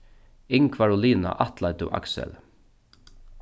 ingvar og lina ættleiddu aksel